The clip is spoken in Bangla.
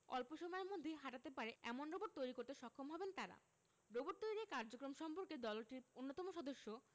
অল্প সময়ের মধ্যেই হাঁটতে পারে এমন রোবট তৈরি করতে সক্ষম হবেন তারা রোবট তৈরির এ কার্যক্রম সম্পর্কে দলটির অন্যতম সদস্য